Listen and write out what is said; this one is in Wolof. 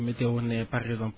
météo ne par exemple